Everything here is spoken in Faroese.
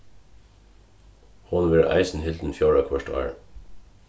hon verður eisini hildin fjórða hvørt ár